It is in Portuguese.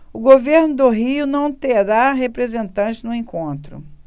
o governo do rio não terá representante no encontro